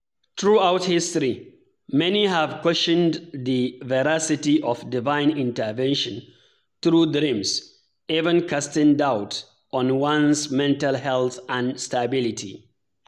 Throughout history, many have questioned the veracity of divine intervention through dreams, even casting doubt on one's mental health and stability.